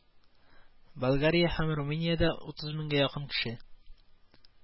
Болгария һәм Румыниядә утыз меңгә якын кеше